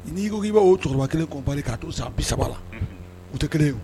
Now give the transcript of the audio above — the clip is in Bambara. N'i ko i b' oo cɛkɔrɔba kelen kɔ baliri k'a to san bi saba la o tɛ kelen